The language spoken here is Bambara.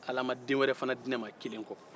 ala ma den wɛrɛ fana di ne ma kelen kɔ